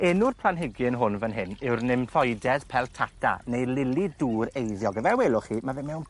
Enw'r planhigyn hwn fan hyn yw'r nymphoides peltata neu lili dŵr eiddiog a fel welwch chi ma' fe mewn